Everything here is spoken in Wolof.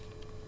waaw